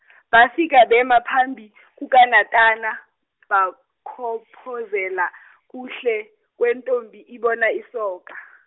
bafika bema phambi kukaNatana bakhophozela kuhle kwentombi ibona isoka.